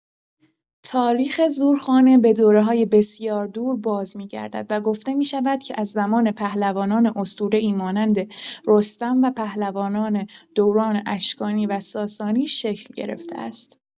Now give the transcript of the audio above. تاریخ زورخانه به دوره‌های بسیار دور بازمی‌گردد و گفته می‌شود که از زمان پهلوانان اسطوره‌ای مانند رستم و پهلوانان دوران اشکانی و ساسانی شکل گرفته است.